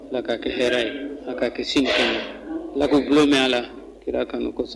Ala k'a kɛ hɛrɛɛ ye a k'a kɛ sini kɔnɔ lakɔ bulon bɛ a la kirara kanu kɔsɔn